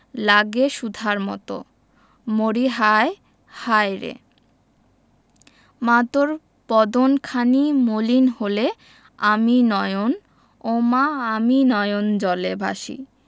লাগে সুধার মতো মরি হায় হায় রে মা তোর বদনখানি মলিন হলে আমি নয়ন ও মা আমি নয়নজলে ভাসি